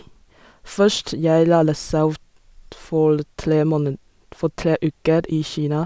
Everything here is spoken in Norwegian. Først jeg lære selv t for tre måne for tre uker, i Kina.